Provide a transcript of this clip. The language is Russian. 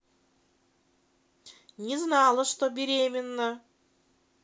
не знала что беременна